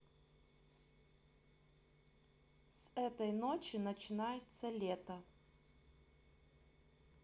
с этой ночи начинается лето